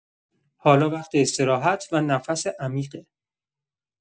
حالا وقت استراحت و نفس عمیقه.